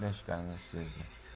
loy ilashganini sezdi